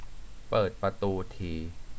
เปิดประตูที